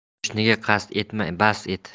qo'shniga qasd etma bast et